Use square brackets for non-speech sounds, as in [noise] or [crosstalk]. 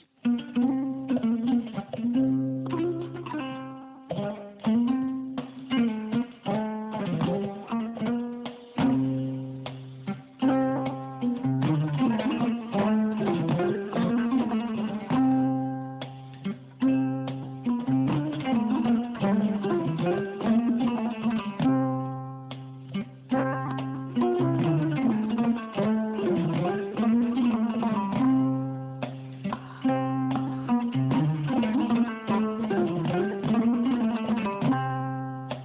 [music]